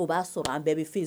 O ba sɔrɔ an bɛɛ bi f